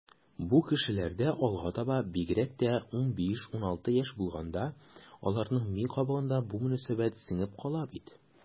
Бу кешеләрдә алга таба, бигрәк тә аларга 15-16 яшь булганда, аларның ми кабыгына бу мөнәсәбәт сеңеп кала бит.